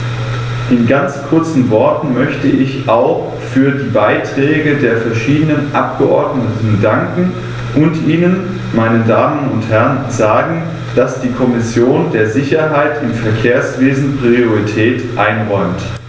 In ganz kurzen Worten möchte ich auch für die Beiträge der verschiedenen Abgeordneten danken und Ihnen, meine Damen und Herren, sagen, dass die Kommission der Sicherheit im Verkehrswesen Priorität einräumt.